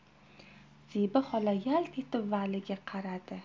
zebi xola yalt etib valiga qaradi